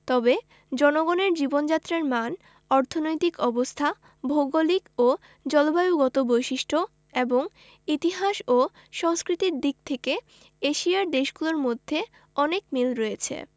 তবে জনগণের জীবনযাত্রার মান অর্থনৈতিক অবস্থা ভৌগলিক ও জলবায়ুগত বৈশিষ্ট্য এবং ইতিহাস ও সংস্কৃতির দিক থেকে এশিয়ার দেশগুলোর মধ্যে অনেক মিল রয়েছে